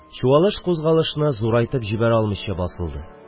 Чуалыш-кузгалышы зурга китә алмыйча басылды.